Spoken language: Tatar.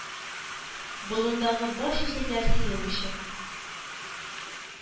Болындагы бар чәчәкләр синең өчен